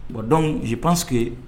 Bon dɔnku ye pansigi